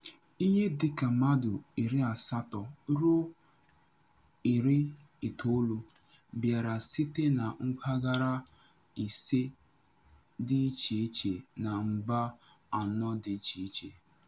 Ihe dịka mmadụ 80 ruo 90 bịara site na mpaghara 5 dị iche iche na mba 4 dị iche iche.